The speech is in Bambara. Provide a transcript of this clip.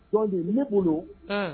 Jɔndi min ko